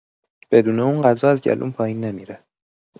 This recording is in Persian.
بدون اون غذا از گلوم پایین نمی‌ره!